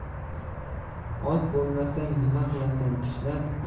ot bo'lmasang nima qilasan kishnab